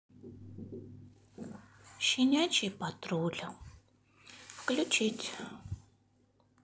щенячий патруль включить